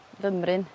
fymryn